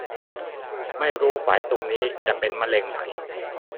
ไม่รู้ไฝตรงนี้จะเป็นมะเร็งไหม